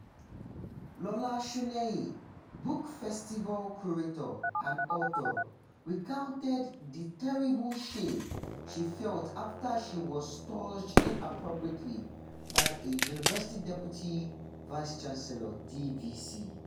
Lola Shoneyin, book festival curator and author, recounted the "terrible shame" she felt after she was touched inappropriately by a university Deputy Vice-Chancellor (DVC):